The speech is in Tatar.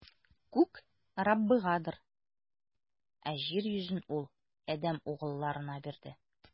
Күк - Раббыгадыр, ә җир йөзен Ул адәм угылларына бирде.